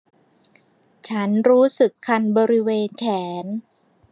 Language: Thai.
ฉันรู้สึกคันบริเวณแขน